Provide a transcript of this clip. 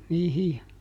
niihin ja